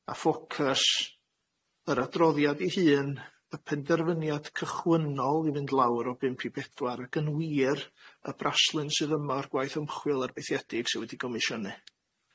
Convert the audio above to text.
a ffocys yr adroddiad 'i hun, y penderfyniad cychwynnol i fynd lawr o bump i bedwar, ac yn wir y braslun sydd yma o'r gwaith ymchwil arfaethiedig sy wedi'i gomisiynu.